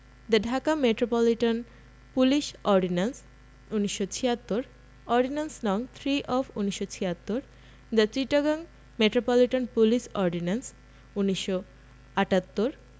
The Dhaka metropolitan police ordinance ১৯৭৬ ordinance. নং. Three of ১৯৭৬ the Chittagong metropolitan police ordinance ১৯৭৮